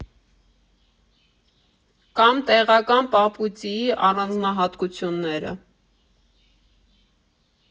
Կամ տեղական պապուծիի առանձնահատկությունները։